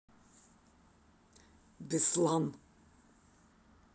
беслан